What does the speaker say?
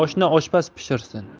oshni oshpaz pishirsin